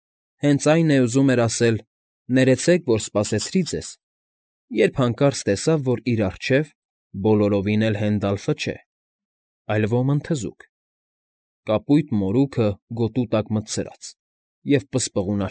Հենց այն է, ուզում էր ասել. «Ներեցեք, որ սպասեցրի ձեզ», երբ հանկարծ տեսավ, որ իր առջև բոլորովին էլ Հենդալֆը չէ, այլ ոմն թզուկ. կապույտ մորուքը գոտու տակ մտցրած ու պսպղուն։